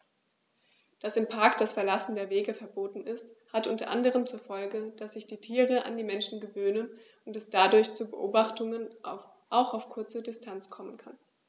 Dass im Park das Verlassen der Wege verboten ist, hat unter anderem zur Folge, dass sich die Tiere an die Menschen gewöhnen und es dadurch zu Beobachtungen auch auf kurze Distanz kommen kann.